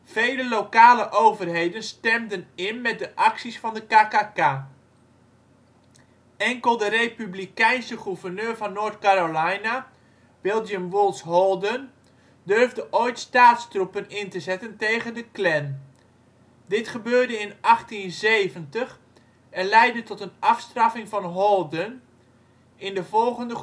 Vele lokale overheden stemden in met de acties van de KKK. Enkel de republikeinse gouverneur van North Carolina, William Woods Holden, durfde ooit staatstroepen in te zetten tegen de Klan. Dit gebeurde in 1870 en leidde tot een afstraffing van Holden in de volgende